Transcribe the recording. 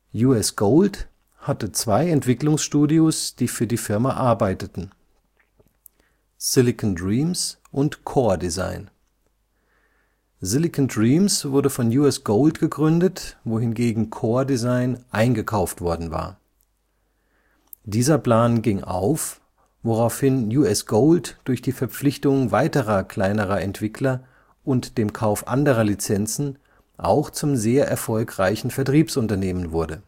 U.S. Gold hatte zwei Entwicklungsstudios, die für die Firma arbeiteten: Silicon Dreams und Core Design. Silicon Dreams wurde von U.S. Gold gegründet, wohingegen Core Design eingekauft worden war. Dieser Plan ging auf, woraufhin U.S. Gold durch die Verpflichtung weiterer kleinerer Entwickler und dem Kauf anderer Lizenzen auch zum sehr erfolgreichen Vertriebsunternehmen wurde